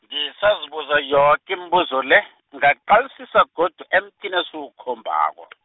ngisazibuza yoke imibuzo le, ngaqalisisa godu emthini esiwukhombako.